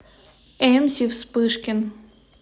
эмси вспышкин